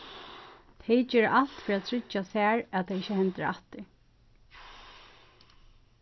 tey gera alt fyri at tryggja sær at tað ikki hendir aftur